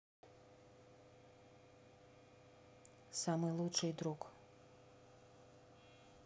самый лучший друг